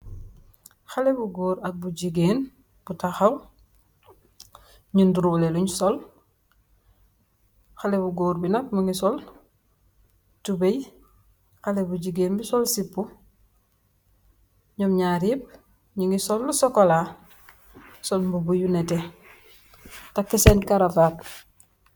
Xalèh bu gór ak bu gigeen bu taxaw ñi niroleh lin sol. Xalèh bu gór bi nak mugii sol tubay xalèh bu gigeen bi sol sipu . Ñom ñaar ñap ñugi sol lu sokola sol mbubu yu netteh takka sèèni karavad.